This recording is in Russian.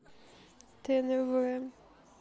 тнв